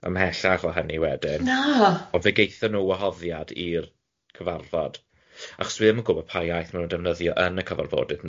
Ymhellach o hynny wedyn. Na! Ond fu geitho'n nhw wahoddiad i'r cyfarfod achos dwi ddim yn gwbod pa iaith ma' nhw'n defnyddio yn cyfarfodydd 'na.